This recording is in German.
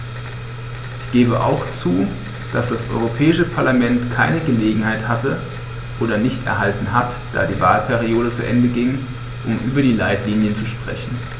Ich gebe auch zu, dass das Europäische Parlament keine Gelegenheit hatte - oder nicht erhalten hat, da die Wahlperiode zu Ende ging -, um über die Leitlinien zu sprechen.